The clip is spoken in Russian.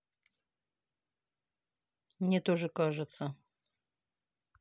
мне тоже кажется